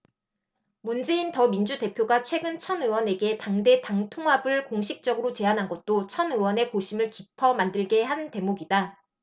문재인 더민주 대표가 최근 천 의원에게 당대 당 통합을 공식적으로 제안한 것도 천 의원의 고심을 깊어 만들게 한 대목이다